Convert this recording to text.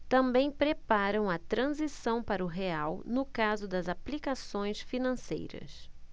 também preparam a transição para o real no caso das aplicações financeiras